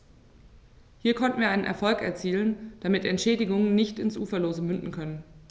Hier konnten wir einen Erfolg erzielen, damit Entschädigungen nicht ins Uferlose münden können.